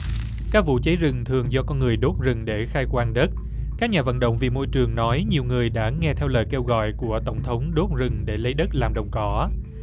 các vụ cháy rừng thường do có người đốt rừng để khai quang đất các nhà vận động vì môi trường nói nhiều người đã nghe theo lời kêu gọi của tổng thống đốt rừng để lấy đất làm đồng cỏ